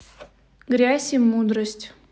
грязь и мудрость